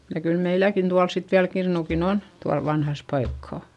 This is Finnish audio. ja kyllä meilläkin tuolla sitten vielä kirnukin on tuolla vanhassa paikkaa